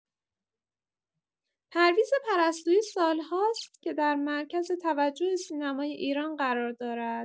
پرویز پرستویی سال‌ها است که در مرکز توجه سینمای ایران قرار دارد.